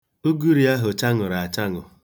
Ugiri ahụ chaṅùrù achaṅụ.